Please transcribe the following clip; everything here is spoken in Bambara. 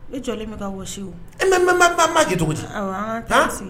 I jɔlen bɛ ka wa e ma jɛ cogo di